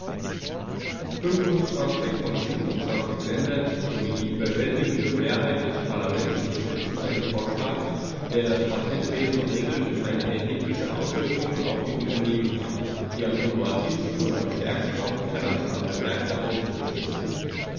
Fünfundzwanzig von 27 Ländern sowie die überwältigende Mehrheit des Parlaments unterstützen einen Vorschlag, der das Patentwesen regelt und eine erhebliche Auswirkung auf die Unternehmen hat, die am innovativsten und am stärksten auf internationale Märkte ausgerichtet sind.